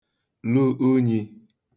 lu unyi